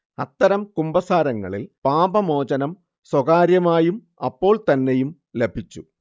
അത്തരം കുമ്പസാരങ്ങളിൽ പാപമോചനം സ്വകാര്യമായും അപ്പോൾത്തന്നെയും ലഭിച്ചു